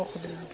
mboq bi la